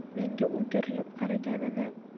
menga o'girilib qaraganini